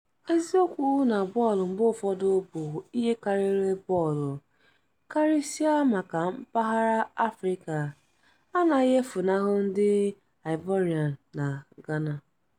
Eziokwu na bọọlụ mgbe ụfọdụ bụ "ihe karịrị bọọlụ", karịsịa maka Mpaghara Afrịka, anaghị efunahụ ndị Ivorian na Ghana.